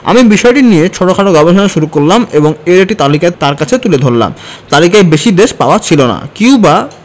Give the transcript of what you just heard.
আমি বিষয়টি নিয়ে ছোটখাটো গবেষণা শুরু করলাম এবং এর একটি তালিকা তাঁর কাছে তুলে ধরলাম তালিকায় বেশি দেশ পাওয়া ছিল না কিউবা